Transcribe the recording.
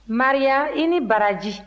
maria i ni baraji